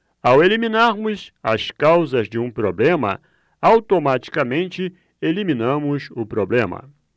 ao eliminarmos as causas de um problema automaticamente eliminamos o problema